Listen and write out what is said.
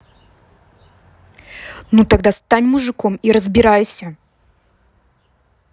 ну тогда стань мужиком и разбирайся